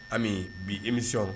Hali bi imi